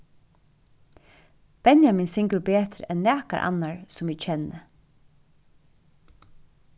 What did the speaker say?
benjamin syngur betur enn nakar annar sum eg kenni